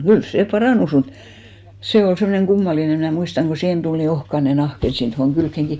kyllä se parantui mutta se oli semmoinen kummallinen minä muistan kun siihen tuli niin ohkainen nahka että sitten tuohon kylkeenkin